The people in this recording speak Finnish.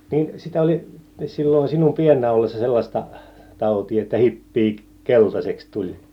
niin sitä oli silloin sinun pienenä ollessa sellaista tautia että hipiä keltaiseksi tuli